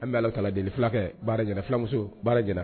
An bɛla kala deli fulakɛ baara fulamuso baara jɛnɛ